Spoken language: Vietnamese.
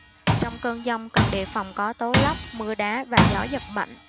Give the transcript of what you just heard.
trong cơn dông cần đề phòng có tố lốc mưa đá và gió giật mạnh